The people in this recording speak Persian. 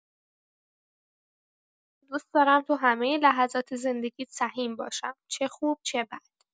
دوست دارم تو همه لحظات زندگیت سهیم باشم، چه خوب چه بد.